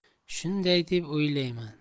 shunday deb o'ylayman